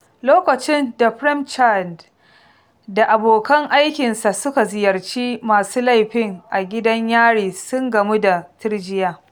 Lokacin da Prem Chand da abokan aikinsa suka ziyarci masu laifin a gidan yari sun gamu da tirjiya: